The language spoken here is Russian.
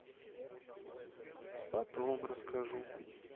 потом расскажу